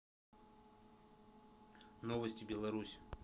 новости беларусь